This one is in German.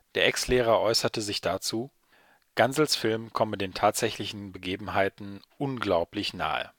Ex-Lehrer äußerte sich dazu, Gansels Film komme den tatsächlichen Begebenheiten „ unglaublich nahe